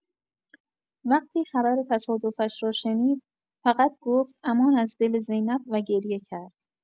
وقتی خبر تصادفش را شنید، فقط گفت امان از دل زینب و گریه کرد.